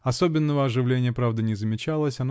Особенного оживления, правда, не замечалось